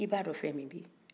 i b'a don fɛ min bɛ ye